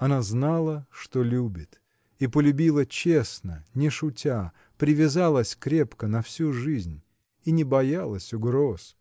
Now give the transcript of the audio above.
она знала, что любит, -- и полюбила честно, не шутя, привязалась крепко, на всю жизнь -- и не боялась угроз: